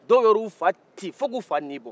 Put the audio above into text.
dɔw yɛrɛ y'u fa ci fo ka u fa nin bɔ